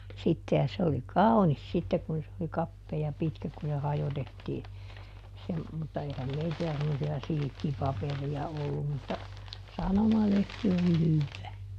sitten ja se oli kaunis sitten kun se oli kapea ja pitkä kun se hajotettiin se mutta eihän meillä semmoisia silkkipaperia ollut mutta sanomalehti oli hyvää